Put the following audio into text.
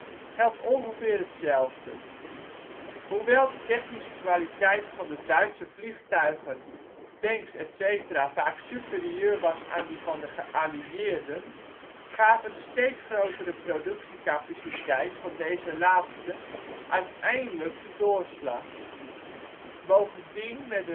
ongeveer hetzelfde). Hoewel de technische kwaliteit van de Duitse vliegtuigen, tanks etc. vaak superieur was aan die van de geallieerden gaven de steeds grotere productiecapaciteit van deze laatsten uiteindelijk de doorslag. Bovendien werd